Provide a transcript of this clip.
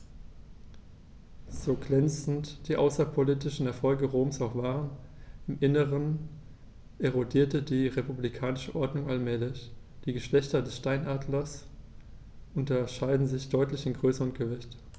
So glänzend die außenpolitischen Erfolge Roms auch waren: Im Inneren erodierte die republikanische Ordnung allmählich. Die Geschlechter des Steinadlers unterscheiden sich deutlich in Größe und Gewicht.